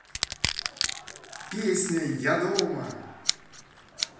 песня я дома